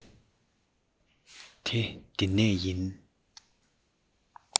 དེ འདི ནས ཡིན